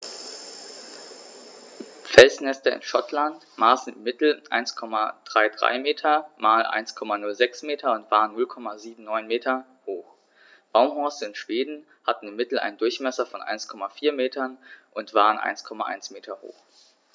Felsnester in Schottland maßen im Mittel 1,33 m x 1,06 m und waren 0,79 m hoch, Baumhorste in Schweden hatten im Mittel einen Durchmesser von 1,4 m und waren 1,1 m hoch.